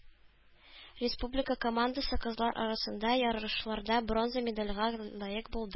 Республика командасы кызлар арасында ярышларда бронза медальгә лаек булды.